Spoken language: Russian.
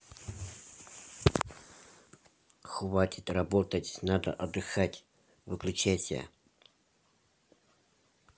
хватит работать надо отдыхать выключайся